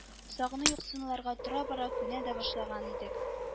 Сагыну-юксынуларга тора-бара күнә дә башлаган идек